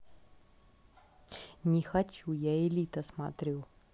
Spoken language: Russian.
не хочу я элита смотрю